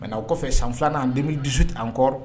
Mɛ aw o kɔfɛ san filanan an denmisɛn dusu an kɔrɔ